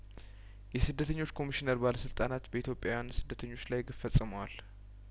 የስደተኞች ኮሚሽነር ባለስልጣናት በኢትዮጵያዊያን ስደተኞች ላይ ግፍ ፈጽመዋል